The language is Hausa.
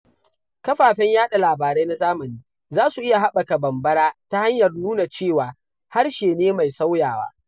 Kafafen yaɗa labarai na zamani za su iya haɓaka Bambara ta hanyar nuna cewa harshe ne mai sauyawa.